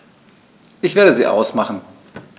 Ich werde sie ausmachen.